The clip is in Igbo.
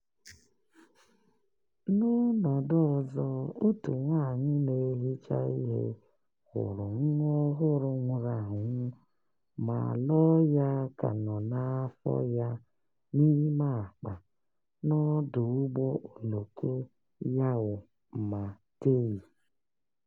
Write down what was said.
N'ọnọdụ ọzọ, otu nwaanyị na-ehicha ihe hụrụ nwa ọhụrụ nwụrụ anwụ ma alọ ya ka nọ n'afọ ya n'ime akpa n'ọdụ ụgbọ oloko Yau Ma Tei.